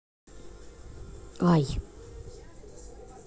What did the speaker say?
ай